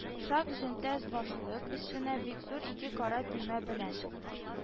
Шак җөнтәс башлык, өстенә бик зур ике кара төймә белән